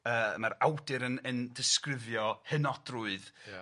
yy ma'r awdur yn yn disgrifio hynodrwydd ... Ia.